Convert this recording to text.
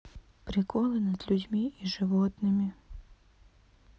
приколы над людьми и животными